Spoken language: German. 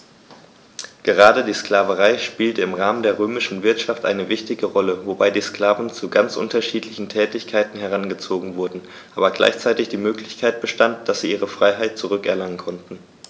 Gerade die Sklaverei spielte im Rahmen der römischen Wirtschaft eine wichtige Rolle, wobei die Sklaven zu ganz unterschiedlichen Tätigkeiten herangezogen wurden, aber gleichzeitig die Möglichkeit bestand, dass sie ihre Freiheit zurück erlangen konnten.